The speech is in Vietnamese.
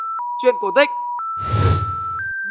chuyện cổ tích